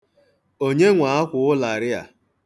Onye nwe akwa ụlarị a?